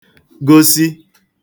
gosi